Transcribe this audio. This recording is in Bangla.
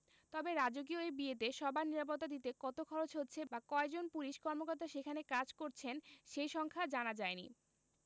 তবে রাজকীয় এই বিয়েতে সবার নিরাপত্তা দিতে কত খরচ হচ্ছে বা কয়জন পুলিশ কর্মকর্তা সেখানে কাজ করছেন সেই সংখ্যা জানা যায়নি